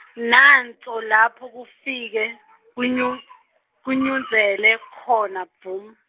nanso lapha kufike , kunyu- kunyundzele, khona, dvu.